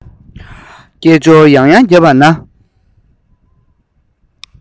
སྐད ཅོར ཡང ཡང བརྒྱབ པ ན